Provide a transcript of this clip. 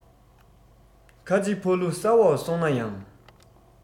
ཁ ཆེ ཕ ལུ ས འོག སོང ན ཡང